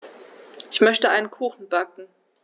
Ich möchte einen Kuchen backen.